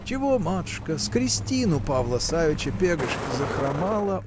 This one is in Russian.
– Чего, матушка, с крестин у Павла Савича пегашка захромала